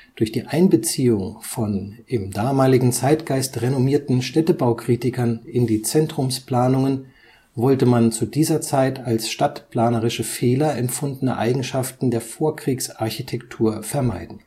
durch die Einbeziehung von im damaligen Zeitgeist renommierten Städtebaukritikern (Hans Bahrdt, Alexander Mitscherlich) in die Zentrumsplanungen wollte man zu dieser Zeit als stadtplanerische Fehler empfundene Eigenschaften der Vorkriegsarchitektur vermeiden